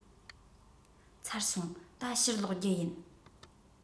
ཚར སོང ད ཕྱིར ལོག རྒྱུ ཡིན